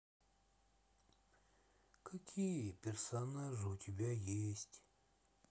какие персонажи у тебя есть